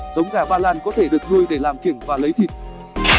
giống gà ba lan có thể được nuôi để làm kiểng và lấy thịt